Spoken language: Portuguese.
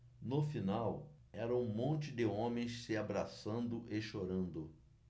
no final era um monte de homens se abraçando e chorando